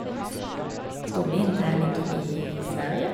Storlien, det ligger i Sverige.